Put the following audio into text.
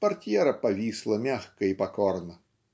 портьера повисла мягко и покорно".